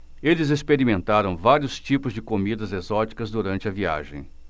eles experimentaram vários tipos de comidas exóticas durante a viagem